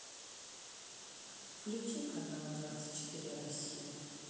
включи канал двадцать четыре россия